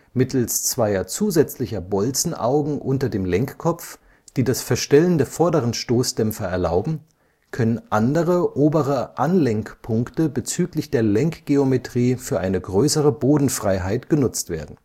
Mittels zweier zusätzlicher Bolzenaugen unter dem Lenkkopf, die das Verstellen der vorderen Stoßdämpfer erlauben, können andere obere Anlenkpunkte bezüglich der Lenkgeometrie für eine größere Bodenfreiheit genutzt werden